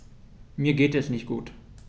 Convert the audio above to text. Mir geht es nicht gut.